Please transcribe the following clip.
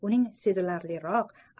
uning sezilarliroq